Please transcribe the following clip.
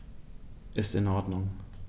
Ist in Ordnung.